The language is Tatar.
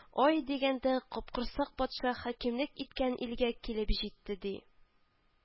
Ай дигәндә, капкорсак патша хакимлек иткән илгә килеп җитте, ди